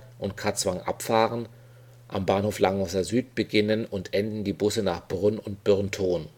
abfahren, am Bahnhof Langwasser Süd beginnen bzw. enden die Busse nach Brunn und Birnthon